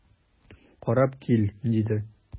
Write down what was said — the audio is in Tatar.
Карап кил,– диде.